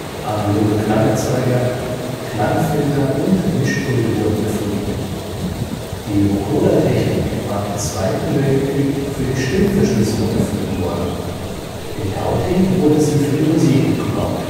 Analoge Klangerzeuger, Klangfilter und Mischpulte wurden erfunden. Die Vocoder-Technik war im Zweiten Weltkrieg für die Stimmverschlüsselung erfunden worden. In Gauting wurde sie für die Musik umgebaut